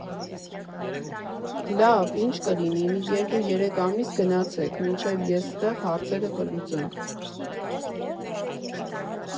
Լավ, ի՞նչ կլինի՝ մի երկու երեք ամիս, գնացեք, մինչև ես ստեղ հարցերը կլուծեմ։